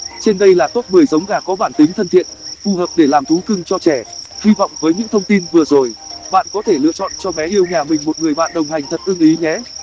trên đây là top giống gà có bản tính thân thiện phù hợp để làm thú cưng cho trẻ hy vọng với những thông tin vừa rồi bạn có thể lựa chọn cho bé yêu nhà mình một người bạn đồng hành thật ưng ý nhé